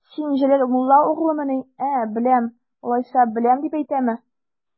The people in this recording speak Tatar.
Син Җәләл мулла угълымыни, ә, беләм алайса, беләм дип әйтәме?